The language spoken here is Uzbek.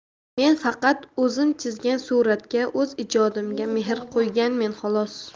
men faqat o'zim chizgan suratga o'z ijodimga mehr qo'yganmen xolos